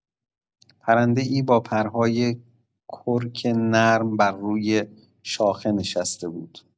پرنده‌ای با پرهای کرک نرم بر روی شاخه نشسته بود.